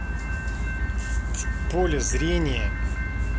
в поле зрения